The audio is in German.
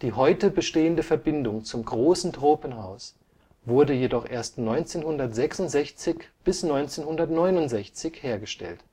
heute bestehende Verbindung zum Großen Tropenhaus wurde jedoch erst 1966 bis 1969 hergestellt